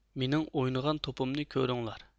مېنىڭ ئوينىغان توپۇمنى كۆرۈڭلار